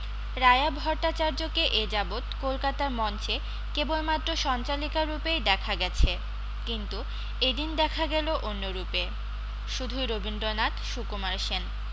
রায়া ভট্টাচার্যকে এ যাবত কলকাতার মঞ্চে কেবলমাত্র সঞ্চালিকা রূপেই দেখা গেছে কিন্তু এ দিন দেখা গেল অন্য রূপে শুধুই রবীন্দ্রনাথ সুকুমার সেন